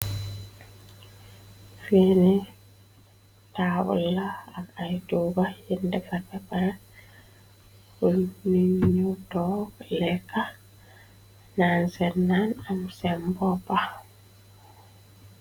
Fii ne taabal la ak ay toogu yuñ def aj bapare, pur fu nin ñi toog lekka, nan sen naan am sen bopa.